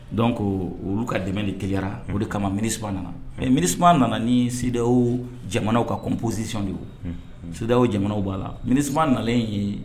Dɔn ko olu ka dɛmɛ de keyara olu de kama mini nana ɛ minisi nana ni sidadaw jamana ka kopsisi de o sidaw jamanaw b'a la minisiba nanalen ye